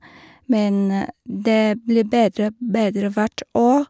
Men det blir bedre og bedre hvert år.